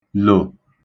lò